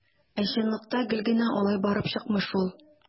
Ә чынлыкта гел генә алай барып чыкмый шул.